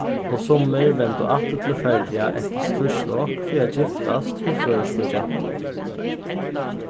og summir vendu aftur til føroya eftir stríðslok fyri at giftast við føroyskum gentum